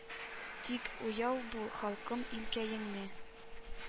Тик уяу бул, халкым, илкәеңне